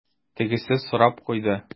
Тегесе сорап куйды: